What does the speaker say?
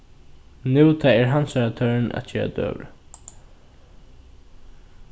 nú tað er hansara tørn at gera døgurða